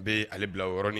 N bɛ' bila yɔrɔɔrɔnin